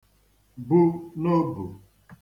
bu n'obù